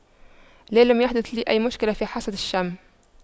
لا لم يحدث لي أي مشكلة في حاسة الشم